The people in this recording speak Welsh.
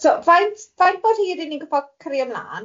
So faint faint bo hir i ni'n gorfod cario mlan?